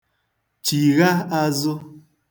chìgha āzụ̄